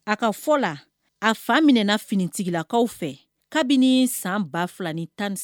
A ka fɔ la a fa minɛna finitigilakaw fɛ kabini san ba 2 ni tan